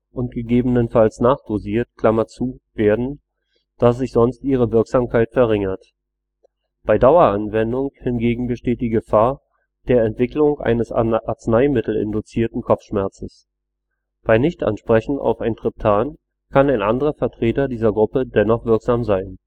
und gegebenenfalls nachdosiert) werden, da sich sonst ihre Wirksamkeit verringert. Bei Daueranwendung hingegen besteht die Gefahr der Entwicklung eines arzneimittelinduzierten Kopfschmerzes. Bei Nichtansprechen auf ein Triptan kann ein anderer Vertreter dieser Gruppe dennoch wirksam sein